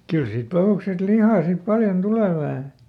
kyllä siitä pahuksesta lihaa sitten paljon tulee vähän